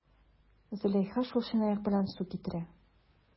Зөләйха шул чынаяк белән су китерә.